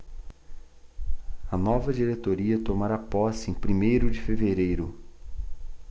a nova diretoria tomará posse em primeiro de fevereiro